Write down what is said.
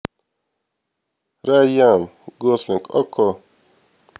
райан гослинг okko